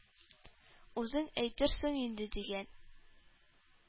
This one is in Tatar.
Үзең әйтерсең инде,— дигән.